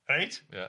Reit. Ia.